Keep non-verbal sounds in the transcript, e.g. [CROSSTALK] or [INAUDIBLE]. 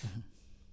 [HESITATION] [HESITATION]